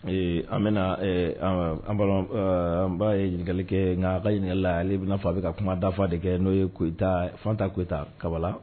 Ee an bɛ an an'a ye ɲininkali kɛ n nka ka ɲininkala ale bɛna fɔ a bɛ ka kuma dafa de kɛ n'o yeyitata fantayita kabala